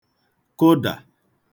kudà